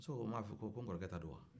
muso ko n ma fɔ ko n kɔrɔkɛ ta don wa